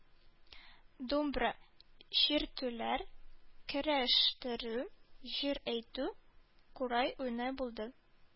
Думбра чиртүләр, көрәштерү, җыр әйтү, курай уйнау булды.